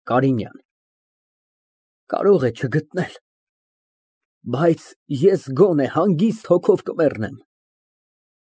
ԿԱՐԻՆՅԱՆ ֊ Կարող է չգտնել, բայց ես գոնե հանգիստ հոգով կմեռնեմ։